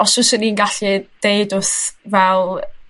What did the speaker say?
Os fyswn i'n gallu deud wrth fel